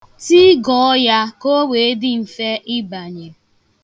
Tigọọ ya ka o wee dị mfe ịbanye.